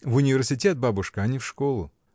— В университет, бабушка, а не в школу.